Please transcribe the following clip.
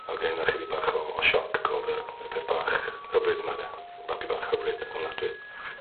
a o' gen ychydig bach o o sioc gweld y y peth bach hyfryd 'ma 'de babi bach hyfryd ofnadwy.